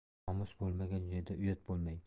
nomus bo'lmagan joyda uyat bo'lmaydi